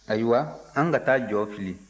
ayiwa an ka taa jɔ fili